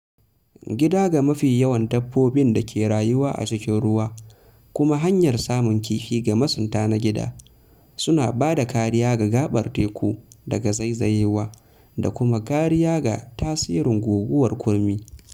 Gida ga mafi yawan dabbobin da ke rayuwa a cikin ruwa (kuma hanyar samun kifi ga masunta na gida), suna ba da kariya ga gaɓar teku daga zaizayewa da kuma kariya ga tasirin guguwar kurmi.